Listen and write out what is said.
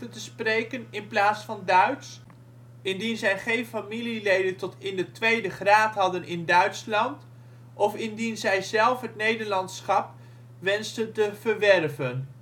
spreken in plaats van Duits, indien zij geen familieleden tot in de tweede graad hadden in Duitsland of indien zij zelf het Nederlandschap wensten te verwerven